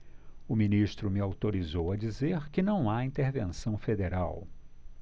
o ministro me autorizou a dizer que não há intervenção federal